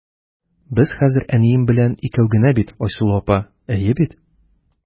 Без хәзер әнием белән икәү генә бит, Айсылу апа, әйе бит?